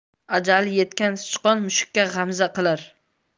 ajali yetgan sichqon mushukka g'amza qilar